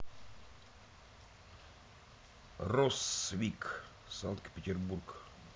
россвик санкт петербург